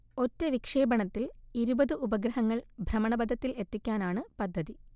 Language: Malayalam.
ഒറ്റ വിക്ഷേപണത്തിൽ ഇരുപത് ഉപഗ്രഹങ്ങൾ ഭ്രമണപഥത്തിൽ എത്തിക്കാനാണ് പദ്ധതി